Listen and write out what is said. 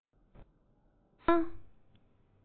དྲིལ བརྡ བཏང